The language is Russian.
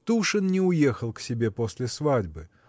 Тушин не уехал к себе после свадьбы.